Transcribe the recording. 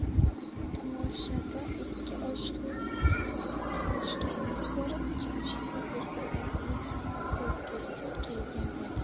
tamoshada ikki oshiqning qovushganini ko'rib jamshidni eslagan uni ko'rgisi kelgan edi